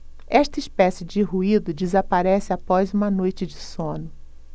esta espécie de ruído desaparece após uma noite de sono